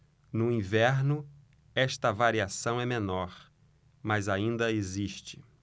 no inverno esta variação é menor mas ainda existe